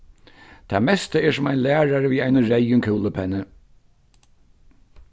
tað mesta er sum ein lærari við einum reyðum kúlupenni